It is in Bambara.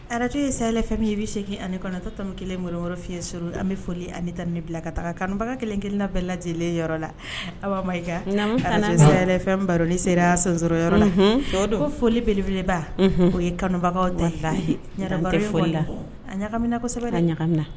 Arajo ye sayalɛ min ye i bɛ se ani kɔnɔta tan kelen ŋkɔrɔ f fiɲɛye s an bɛ foli an tan ni bila ka taa kanubaga kelen kelenla bɛɛ lajɛ lajɛlen yɔrɔ la i sayafɛn baro ni sera son yɔrɔ la don ko folielebeleba o ye kanubagaw da la foli la a ɲagaminasɛbɛ